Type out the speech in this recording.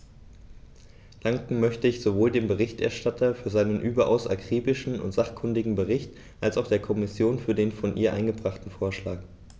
Danken möchte ich sowohl dem Berichterstatter für seinen überaus akribischen und sachkundigen Bericht als auch der Kommission für den von ihr eingebrachten Vorschlag.